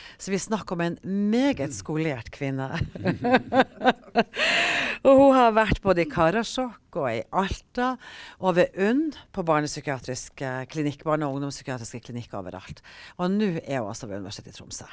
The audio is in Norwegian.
så vi snakker om en meget skolert kvinne , og hun har vært både i Karasjok og i Alta og ved UNN på barnepsykiatrisk klinikk barne- og ungdomspsykiatriske klinikker overalt, og nå er hun altså ved Universitetet i Tromsø.